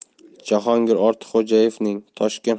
jahongir ortiqxo'jayevning toshkent